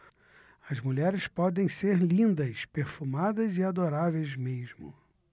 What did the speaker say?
as mulheres podem ser lindas perfumadas e adoráveis mesmo